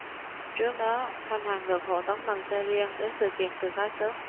trước đó thanh hằng được hộ tống bằng xe riêng đến sự kiện từ khá sớm